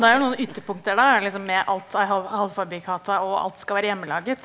det er jo noen ytterpunkter der liksom med alt av halvfabrikater og alt skal være hjemmelaget.